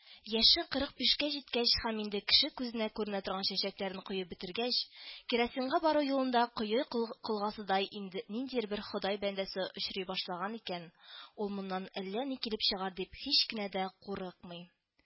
Яше кырык бишкә җиткәч һәм инде кеше күзенә күренә торган чәчәкләрен коеп бетергәч, керосинга бару юлында кое кол колга колгасыдай инде ниндидер бер ходай бәндәсе очрый башлаган икән, ул моннан әллә ни килеп чыгар дип һич кенә дә курыкмый